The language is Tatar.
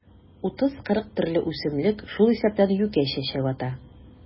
30-40 төрле үсемлек, шул исәптән юкә чәчәк ата.